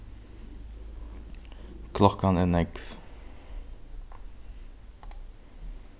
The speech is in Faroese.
klokkan er nógv